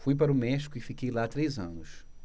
fui para o méxico e fiquei lá três anos